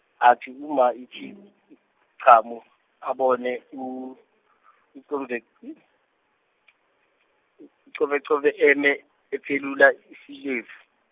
athi uma ethi qhamu, ambone u- uQove- , u- uQoveqove emi ephulula isilevu.